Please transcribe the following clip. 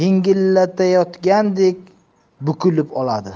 yengillatayotgandek bukilib oladi